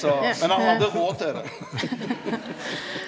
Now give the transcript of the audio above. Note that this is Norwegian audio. så men han hadde råd til det.